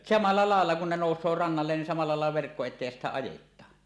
samalla lailla kuin ne nousee rannalle niin samalla lailla verkko eteen ja sitten ajetaan